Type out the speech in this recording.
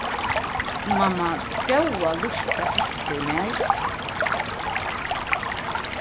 mamma góða lurta eftir mær